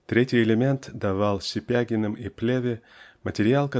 Третий элемент давал Сипягиным и Плеве материал